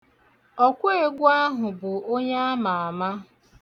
Ọkụegwu ahụ bụ onye ama ama.